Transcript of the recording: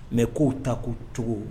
Mais ko ta ko cogo